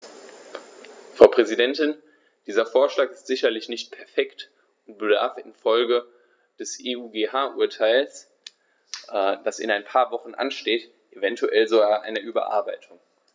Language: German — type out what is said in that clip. Frau Präsidentin, dieser Vorschlag ist sicherlich nicht perfekt und bedarf in Folge des EuGH-Urteils, das in ein paar Wochen ansteht, eventuell sogar einer Überarbeitung.